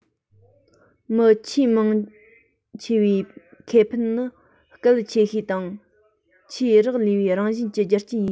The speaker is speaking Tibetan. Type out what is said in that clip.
མི ཆེས མང ཆེ བའི ཁེ ཕན ནི གལ ཆེ ཤོས དང ཆེས རག ལས པའི རང བཞིན གྱི རྒྱུ རྐྱེན ཡིན